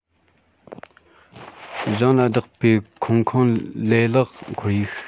གཞུང ལ བདག པའི ཁང ཁོངས ལེ ལག ཁོར ཡུག